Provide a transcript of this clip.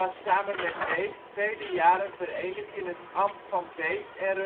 samen met Beesd vele jaren verenigd in het Ambt van Beesd en